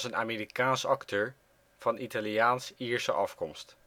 Amerikaans acteur van Italiaans-Ierse afkomst